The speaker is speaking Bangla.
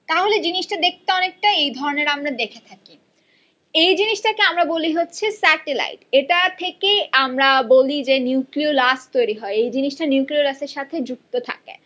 তাহলে জিনিসটা দেখতে অনেকটা এই ধরনের আমরা দেখে থাকি এই জিনিসটা কে আমরা বলি হচ্ছে স্যাটেলাইট এটা থেকে আমরা বলি যে নিউক্লিওলাস তৈরি হয় এই জিনিসটা নিউক্লিওলাস এর সাথে যুক্ত থাকে